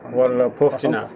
walla poftina